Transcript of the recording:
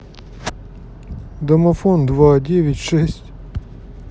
домофон два девять шесть